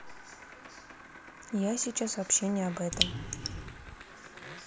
я сейчас вообще не об этом